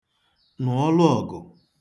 nụọlụ ọgụ